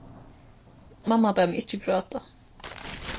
mamma bað meg ikki gráta